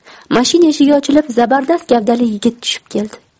mashina eshigi ochilib zabardast gavdali yigit tushib keldi